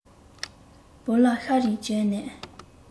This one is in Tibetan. བོད ལྭ ཤམ རིང གྱོན ནས